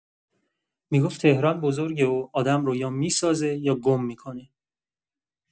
می‌گفت تهران بزرگه و آدم رو یا می‌سازه یا گم می‌کنه.